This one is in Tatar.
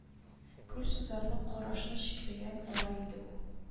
Кул сузарлык карашны чикләгән ара иде бу